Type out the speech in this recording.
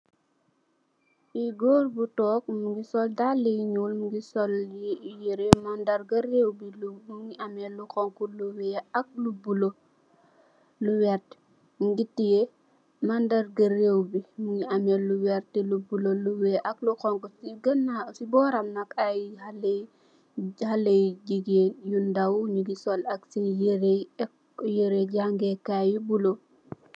Li gór bu tóóg mugii sol dàlla yu ñuul, mugii sol yirèh mandarga rew mi, mugii ameh lu xonxu, lu wèèx, ak lu bula lu werta. Mugii teyeh mandarga réw bi, mugii ameh lu werta, lu bula, lu wèèx ak lu xonxu. Si bóram nak ay xalèh jigeen yu ndaw ñu ngi sol sèèn yirèh jangèè kai yu bula.